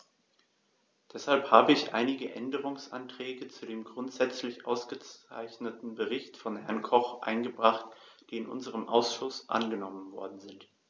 Deshalb habe ich einige Änderungsanträge zu dem grundsätzlich ausgezeichneten Bericht von Herrn Koch eingebracht, die in unserem Ausschuss angenommen worden sind.